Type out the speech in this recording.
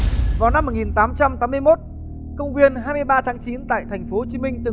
vào năm một nghìn tám trăm tám mươi mốt công viên hai mươi ba tháng chín tại thành phố chí minh từng